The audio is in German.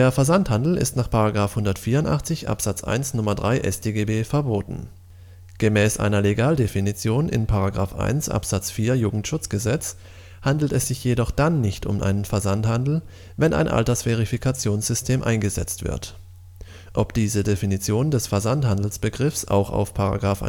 Versandhandel ist nach § 184 Abs. 1 Nr. 3 verboten. Gemäß einer Legaldefinition in § 1 Abs. 4 JuSchG handelt es sich jedoch dann nicht um einen Versandhandel, wenn ein Altersverifikationssystem eingesetzt wird. Ob diese Definition des Versandhandelsbegriffs auch auf §